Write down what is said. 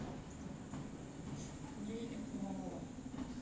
денег мало